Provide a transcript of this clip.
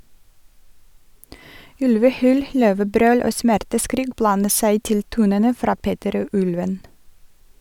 Ulvehyl , løvebrøl og smerteskrik blandet seg til tonene fra "Peter og Ulven".